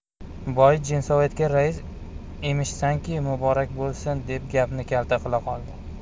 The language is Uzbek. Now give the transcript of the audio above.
boy jensovetga rais emishsanmi muborak bo'lsin deb gapni kalta qila qoldi